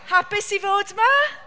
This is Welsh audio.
hapus i fod 'ma?